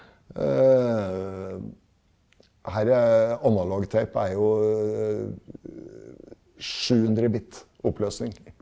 herre analog tape er jo sjuhundre bit oppløsning.